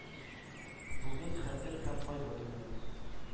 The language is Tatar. Бүген – Хәтер һәм кайгы көне.